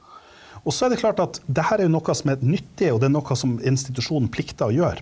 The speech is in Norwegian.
også er det klart at det her er jo noe som er nyttig, og det er noe som institusjonen plikter å gjøre.